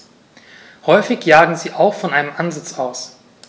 Häufig jagen sie auch von einem Ansitz aus.